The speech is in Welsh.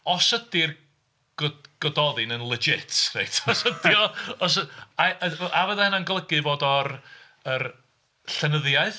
Os ydy'r go- Gododdin yn legit reit os ydi o os y-... ai a- a fyddai hynna'n golygu fod o'r yr llenyddiaeth...